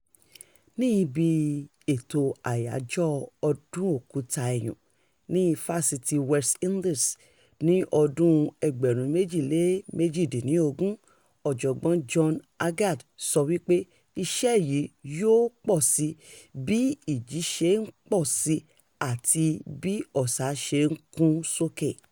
Ní ibi ètò Àyájọ́ Ọdún Òkúta iyùn ní Ifásitì West Indies ní ọdún-un 2018, Ọ̀jọ̀gbọ́n John Agard sọ wípé iṣẹ́ yìí yóò pọ̀ sí i bí ìjì ṣe ń pọ̀ sí i àti bí ọ̀sà ṣe ń kún sókè.